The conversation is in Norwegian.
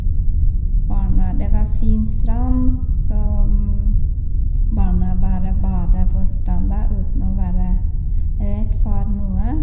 barna Det var fin strand, så og barna bare bada på stranda uten å være redd for noe.